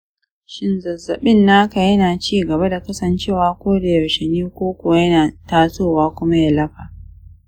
shin zazzabin naka yana ci gaba da kasancewa kodaushe ne ko kuwa yana tasowa kuma ya lafa